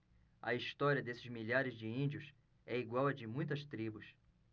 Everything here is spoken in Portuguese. a história desses milhares de índios é igual à de muitas tribos